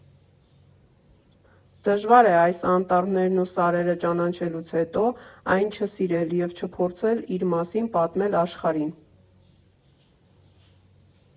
Դժվար է այս անտառներն ու սարերը ճանաչելուց հետո այն չսիրել և չփորձել իր մասին պատմել աշխարհին։